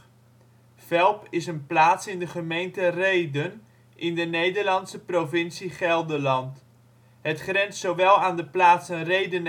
Velp is een plaats in de gemeente Rheden in de Nederlandse provincie Gelderland. Het grenst zowel aan de plaatsen Rheden